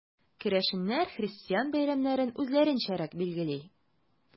Керәшеннәр христиан бәйрәмнәрен үзләренчәрәк билгели.